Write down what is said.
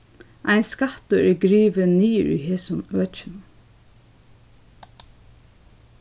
ein skattur er grivin niður í hesum økinum